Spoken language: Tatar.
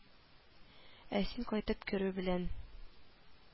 Ә син кайтып керү белән